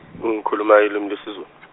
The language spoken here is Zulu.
ngikhuluma ulimi lwesiZu-.